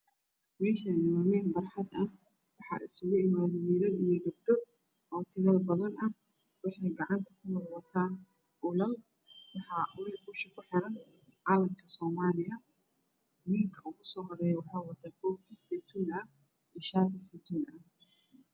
Meshan waa mel barxad ah waxa isla imaday wilal iyo gabdho o tiro badan ah waxey gacanta kuwada watan ulal waxa dusha ugu xiran calanka somaliya wilka ugu sohoreya waxu wata kofi sotun ah iyo shati setun ah